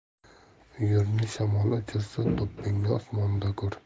uyurni shamol uchirsa do'ppingni osmonda ko'r